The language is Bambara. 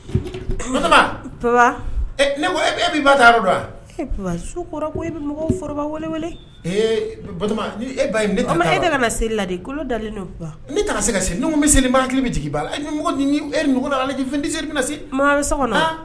Ne ba dɔn ko e bɛoro ba e seli la kolo dalen ni se ka se bɛ se hakili bɛ jigin e alijidise bɛ na se maa so kɔnɔ